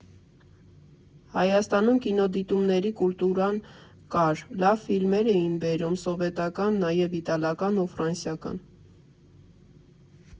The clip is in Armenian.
Հայաստանում կինոդիտումների կուլտուրան կար, լավ ֆիլմեր էին բերում՝ սովետական, նաև իտալական ու ֆրանսիական։